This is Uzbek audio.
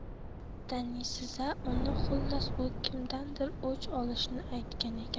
taniysiz a uni xullas u kimdandir o'ch olishini aytgan ekan